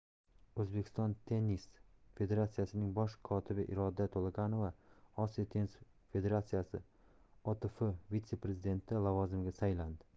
o'zbekiston tennis federatsiyasining bosh kotibi iroda to'laganova osiyo tennis federatsiyasi otf vitse prezidenti lavozimiga saylandi